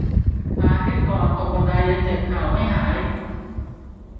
อาทิตย์ก่อนตกบันไดยังเจ็บเข่าไม่หาย